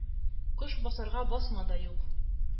Кош басарга басма да юк...